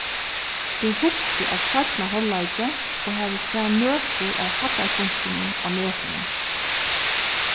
eg hugdi at seinna hálvleiki og havi sæð nøkur av hæddarpunktunum á netinum